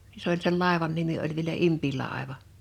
niin se oli sen laivan nimi oli vielä Impilaiva